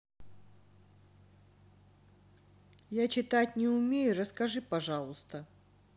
я читать не умею расскажи пожалуйста